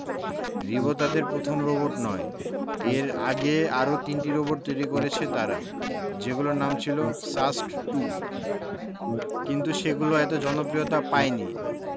রিবো তাদের পথম রোবট নয় এর আগে আরও তিনটি রোবট তৈরি করেছে তারা যেগুলোর নাম ছিল সাস্ট টু কিন্তু সেগুলো এত জনপ্রিয়তা পায়নি